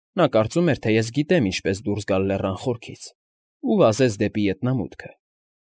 Նա կարծում էր, թե ես գիտեմ ինչպես դուրս գալ լեռան խորքից, ու վազեց դեպի ետնամուտքը։